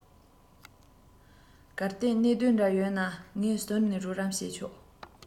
གལ ཏེ གནད དོན འདྲ ཡོད ན ངས ཟུར ནས རོགས རམ བྱས ཆོག